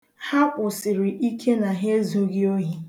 Ha kwụsiri ike na ha ezughị ohị